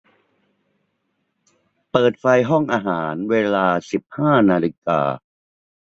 เปิดไฟห้องอาหารเวลาสิบห้านาฬิกา